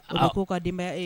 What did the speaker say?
A k ko ka den e